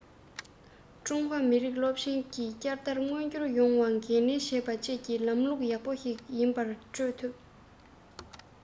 ཀྲུང ཧྭ མི རིགས རླབས ཆེན བསྐྱར དར མངོན འགྱུར ཡོང བ འགན ལེན བྱེད པ བཅས ཀྱི ལམ ལུགས ཡག པོ ཞིག ཡིན པ ར སྤྲོད ཐུབ ཡོད